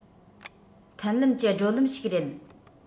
མཐུན ལམ གྱི བགྲོད ལམ ཞིག རེད